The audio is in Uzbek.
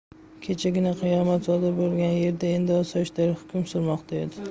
kechagina qiyomat sodir bo'lgan yerda endi osoyishtalik hukm surmoqda edi